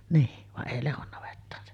niin vaan ei Lehdon navettaan se